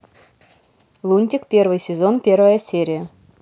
лунтик первый сезон первая серия